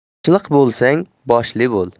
boshliq bo'lsang boshli bo'l